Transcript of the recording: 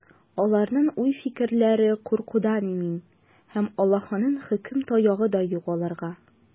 Аларның уй-фикерләре куркудан имин, һәм Аллаһының хөкем таягы да юк аларга.